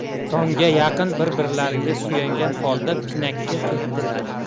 tongga yaqin bir birlariga suyangan holda pinakka ketdilar